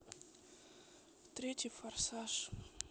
третий форсаж